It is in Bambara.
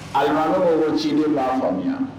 Alimami ko ko ciden m'a faamuya